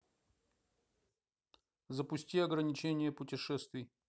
запусти ограничение путешествий